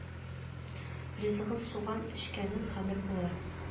Ризыгың суган эчкәнең хәмер булыр